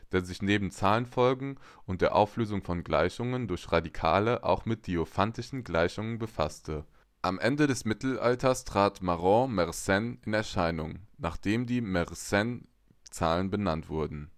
der sich neben Zahlenfolgen und der Auflösung von Gleichungen durch Radikale auch mit diophantischen Gleichungen befasste. Am Ende des Mittelalters trat Marin Mersenne in Erscheinung, nach dem die Mersenne-Zahlen benannt wurden